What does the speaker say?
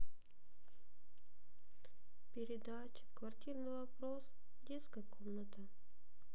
передача квартирный вопрос детская комната